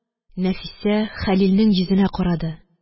Нәфисә Хәлилнең йөзенә карады